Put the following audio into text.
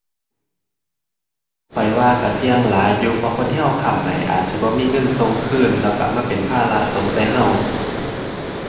ข้อยว่าก็เสี่ยงหลายอยู่ เพราะคนที่ก็ค้ำให้อาจสิบ่มีเงินส่งคืน แล้วก็มาเป็นภาระตกใส่ก็